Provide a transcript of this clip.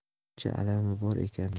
shuncha alami bor ekanmi